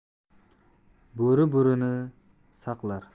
bo'ri bo'rini saqlar